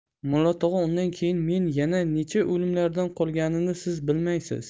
mulla tog'a undan keyin men yana necha o'limlardan qolganimni siz bilmaysiz